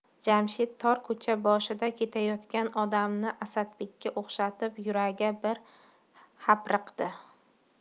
jamshid tor ko'cha boshida ketayotgan odamni asadbekka o'xshatib yuragi bir hapriqdi